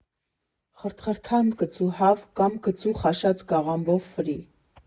Խրթխրթան կծու հավ կամ կծու խաշած կաղամբով ֆրի։